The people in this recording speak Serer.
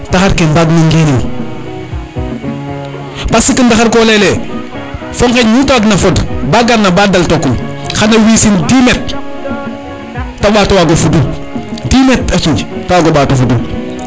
taxar ke mbaag no ngenin parce que ndaxar ko leyele fo ngeñ nu te waag na fod ba garna ba dal tokum xana wisin 10 metre te mbato wago fudu 10 metres a ciiñ te wago mbato fudu